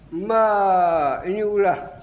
nba i ni wula